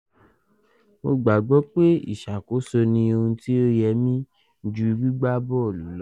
’’Mo gbagbọ pé ìṣàkóso ní ohun tí ó yẹ mí, ju gbígbà bọ́ọ̀lù lọ.